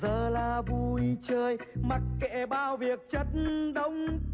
giờ là vui chơi mặc kệ bao việc chất đống